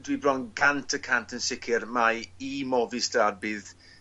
dwi bron cant y cant yn sicir mai i Movistar bydd